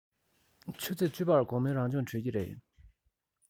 ཆུ ཚོད བཅུ པར དགོང མོའི རང སྦྱོང གྲོལ གྱི རེད